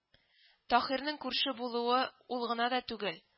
Таһирның күрше булуы, ул гына да түгел